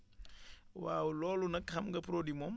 waaw loolu nag xam nga produit moom